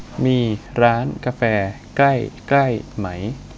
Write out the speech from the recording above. มีร้านกาแฟใกล้ใกล้ไหม